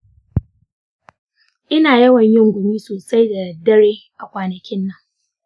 ina yawan yin gumi sosai da daddare a kwanakin nan.